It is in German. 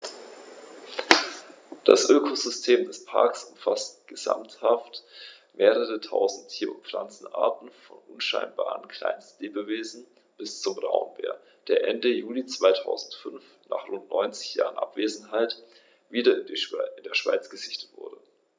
Das Ökosystem des Parks umfasst gesamthaft mehrere tausend Tier- und Pflanzenarten, von unscheinbaren Kleinstlebewesen bis zum Braunbär, der Ende Juli 2005, nach rund 90 Jahren Abwesenheit, wieder in der Schweiz gesichtet wurde.